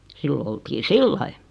silloin oltiin sillä lailla